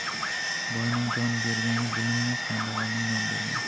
boyning jon bergani bilinmas kambag'alning non bergani